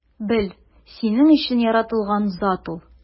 Бел: синең өчен яратылган зат ул!